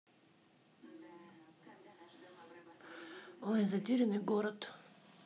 затерянный город